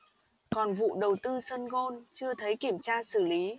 còn vụ đầu tư sân golf chưa thấy kiểm tra xử lý